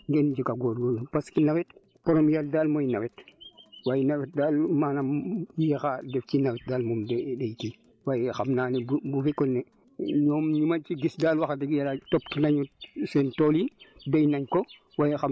ngeen yokk a góorgóorlu parce que nawet premier daal mooy nawet waaye nawet daal maanaam mu yéex a jot ci nawet daal moom day day kii waaye xam naa ne bu bu fekkoon ne ñoom ñu ma ci gis daal wax dëgg yàlla toppatoo nañu seen tool yi béy nañ ko